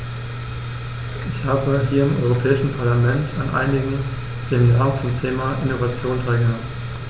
Ich habe hier im Europäischen Parlament an einigen Seminaren zum Thema "Innovation" teilgenommen.